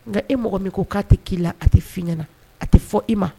Nka e mɔgɔ min ko k'a tɛ k'i la a tɛ fiɲɛ ɲɛnaɲɛna a tɛ fɔ e ma